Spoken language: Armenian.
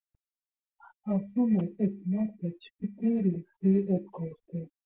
Ասում էր՝ էս մարդը չպիտի՛ լսի էդ գործը։